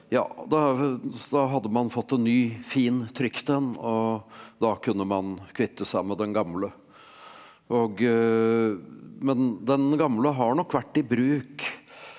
ja da da hadde man fått en ny fin trykt en og da kunne man kvitte sammen med den gamle og men den gamle har nok vært i bruk.